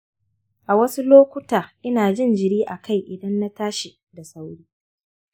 a wasu lokuta ina jin jiri a kai idan na tashi da sauri.